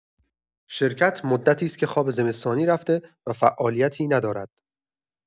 شرکت مدتی است که خواب زمستانی رفته و فعالیتی ندارد.